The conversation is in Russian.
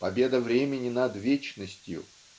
Победа времени над вечностью